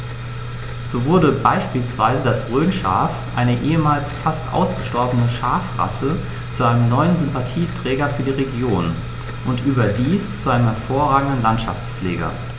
So wurde beispielsweise das Rhönschaf, eine ehemals fast ausgestorbene Schafrasse, zu einem neuen Sympathieträger für die Region – und überdies zu einem hervorragenden Landschaftspfleger.